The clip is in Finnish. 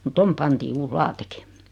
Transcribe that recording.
mutta tuonne pantiin uusi lattiakin